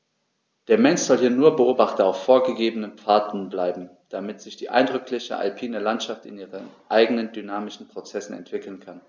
Der Mensch soll hier nur Beobachter auf vorgegebenen Pfaden bleiben, damit sich die eindrückliche alpine Landschaft in ihren eigenen dynamischen Prozessen entwickeln kann.